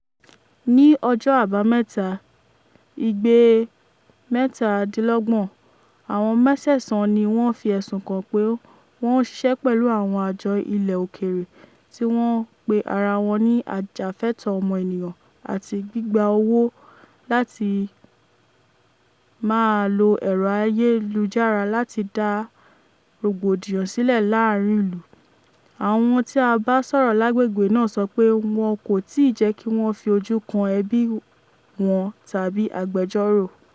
Ní ọjọ́ Àbámẹ́ta, Igbe 27, àwọn mẹ̀sẹ́ẹ̀sán ni wọ́n fi ẹ̀sùn kàn pé "Wọ́n ń ṣíṣẹ́ pẹ̀lú àwọn àjọ ilẹ̀ òkèèrè tí wọ́n pe ara wọn ní ajàfẹ̀tọ̀ọ́ ọmọniyàn àti...gbígba owó láti máa ló ẹ̀rọ ayélujára láti dá rògbòdìyàn silẹ láàárín ìlú. "Àwọn tí a bá sọ̀rọ̀ lágbègbè náà sọ pé wọn kò tíì jẹ́ kí Wọ́n fi ojú kán ẹbí wọn tàbí agbẹjọ́rò".